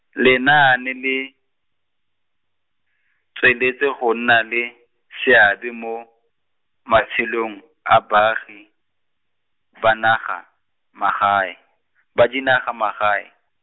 lenaane le, tsweletse go nna le, seabe mo, matshelong, a baagi, ba naga, magae, ba dinaga magae.